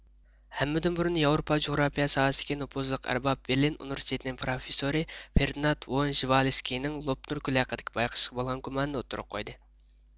ھەممىدىن بۇرۇن ياۋروپا جۇغراپىيە ساھەسىدىكى نوپۇزلۇق ئەرباب بېرلىن ئۇنىۋېرسىتېتىنىڭ پروفېسسورى فېردىنات ۋون ژېۋالسكىنىڭ لوپنۇر كۆلى ھەققىدىكى بايقىشىغا بولغان گۇمانىنى ئوتتۇرىغا قويدى